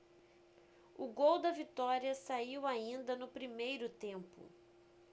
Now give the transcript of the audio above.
o gol da vitória saiu ainda no primeiro tempo